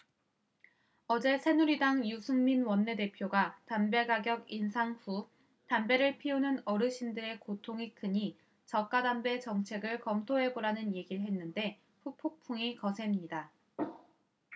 어제 새누리당 유승민 원내대표가 담배가격 인상 후 담배를 피우는 어르신들의 고통이 크니 저가담배 정책을 검토해보라는 얘길 했는데 후폭풍이 거셉니다